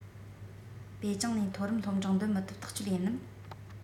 པེ ཅིང ནས མཐོ རིམ སློབ འབྲིང འདོན མི ཐུབ ཐག ཆོད ཡིན ནམ